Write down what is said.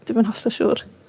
Dwi'm yn hollol siŵr.